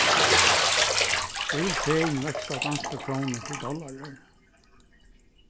eg vil fegin veksla danskar krónur til dollarar